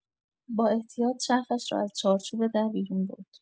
با احتیاط چرخش را از چهارچوب در بیرون برد.